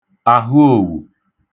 àhụòwù